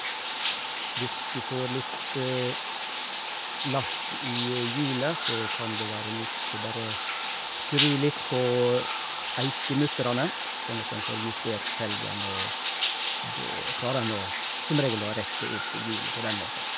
Hvis du får litt slark i hjulet, så kan det være nok å bare skru litt på eikemutterne sånn at en får justert felgen, og da klarer en å som regel å rette opp hjulet på den måten.